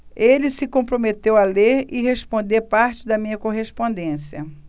ele se comprometeu a ler e responder parte da minha correspondência